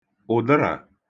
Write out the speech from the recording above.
ụ̀darà